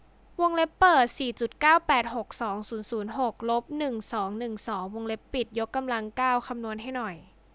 วงเล็บเปิดสี่จุดเก้าแปดหกสองศูนย์ศูนย์หกลบหนึ่งสองหนึ่งสองวงเล็บปิดยกกำลังเก้าคำนวณให้หน่อย